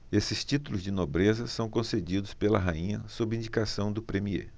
esses títulos de nobreza são concedidos pela rainha sob indicação do premiê